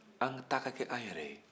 an ta ka kɛ an yɛrɛ ye